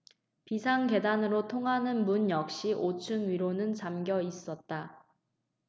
비상계단으로 통하는 문 역시 오 층 위로는 잠겨 있었다